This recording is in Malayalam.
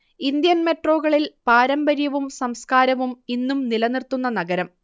ഇന്ത്യൻ മെട്രോകളിൽ പാരമ്പര്യവും സംസ്കാരവും ഇന്നും നിലനിർത്തുന്ന നഗരം